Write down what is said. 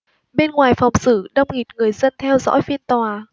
bên ngoài phòng xử đông nghịt người dân theo dõi phiên tòa